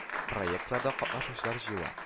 Проектларда катнашучылар җыела